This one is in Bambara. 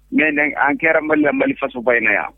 Mɛen an kɛra mali la mali fasosoba in na yan